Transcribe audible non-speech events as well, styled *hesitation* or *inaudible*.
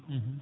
*hesitation* *hesitation*